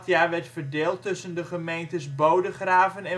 jaar werd verdeeld tussen de gemeentes Bodegraven